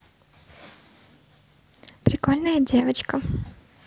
прикольная девочка